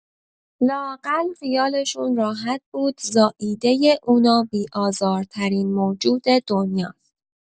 لااقل خیالشون راحت بود زائیدۀ اونا بی‌آزارترین موجود دنیاس.